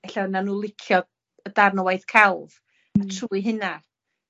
ella nawn nw licio y darn o waith celf... Hmm. ...trwy hyna.